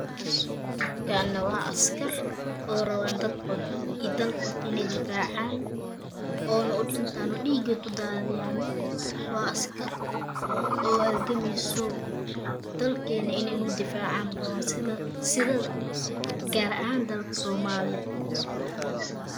Dad kaan waa askar oo rabaan dadkooda iyo dalkooda inay difaacaan. Oona u dhintaan dhiigooda ku daadiyaan. Waa askar oo hal gamayso. dalkeena inay noo difaacaan rabaan. sida gaar ahaan dalka Soomaaliya.